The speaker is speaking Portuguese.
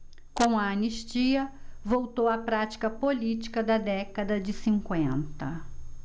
com a anistia voltou a prática política da década de cinquenta